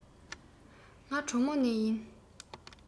ང གྲོ མོ ནས ཡིན